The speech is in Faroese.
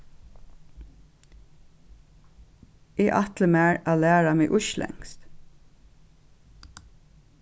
eg ætli mær at læra meg íslendskt